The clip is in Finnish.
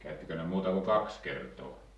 käyttikö ne muuta kuin kaksi kertaa